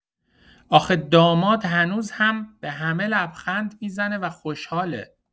آخه داماد هنوز هم به همه لبخند می‌زنه و خوشحاله!